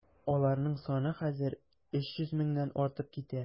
Аларның саны хәзер 300 меңнән артып китә.